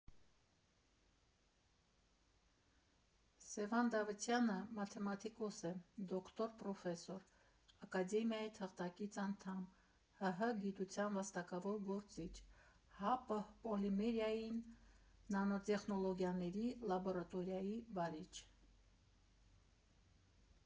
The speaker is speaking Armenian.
Սևան Դավթյանը մաթեմատիկոս է, դոկտոր, պրոֆեսոր, Ակադեմիայի թղթակից անդամ, ՀՀ գիտության վաստակավոր գործիչ, ՀԱՊՀ Պոլիմերային նանոտեխնոլոգիաների լաբորատորիայի վարիչ։